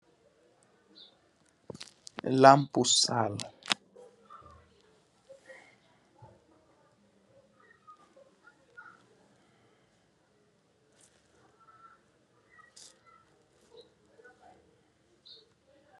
Lampu saal.